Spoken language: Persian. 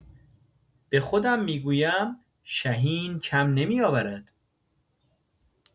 و به خودم می‌گویم شهین کم نمی‌آورد.